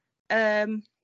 yym